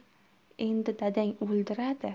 endi dadang o'ldiradi